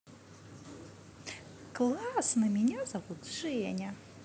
классно меня зовут женя